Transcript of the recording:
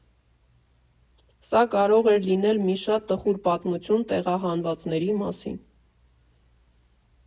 Սա կարող էր լինել մի շատ տխուր պատմություն տեղահանվածների մասին։